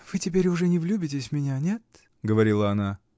— Вы теперь уже не влюбитесь в меня — нет? — говорила она.